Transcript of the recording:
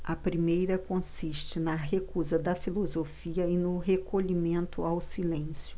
a primeira consiste na recusa da filosofia e no recolhimento ao silêncio